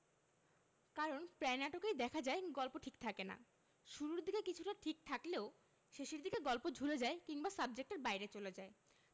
কারণ প্রায় নাটকেই দেখা যায় গল্প ঠিক থাকে না শুরুর দিকে কিছুটা ঠিক থাকলেও শেষের দিকে গল্প ঝুলে যায় কিংবা সাবজেক্টের বাইরে চলে যায়